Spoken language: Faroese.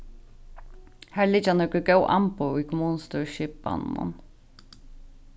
har liggja nøkur góð amboð í kommunustýrisskipanunum